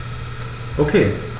Okay.